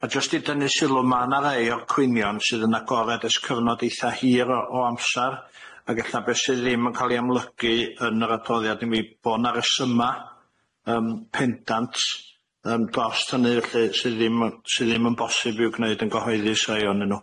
A jyst i dynnu sylw ma' 'na rhei o'r cwynion sydd yn agored ers cyfnod eitha hir o o amsar ag ella be' sydd ddim yn ca'l 'i amlygu yn yr adroddiad i mi bo' 'na resyma' yym pendant yn dost hynny felly sydd ddim yn sydd ddim yn bosib i'w gneud yn gyhoeddus rhei ohonyn nw.